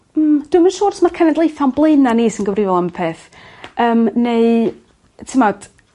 Hmm dwi'm yn siŵr os mai cenedlaetha o'n blaena' ni sy'n gyfrifol am y peth yym neu t'mod